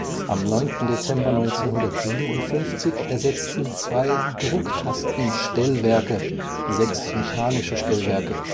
Am 9. Dezember 1957 ersetzten zwei Drucktastenstellwerke sechs mechanische Stellwerke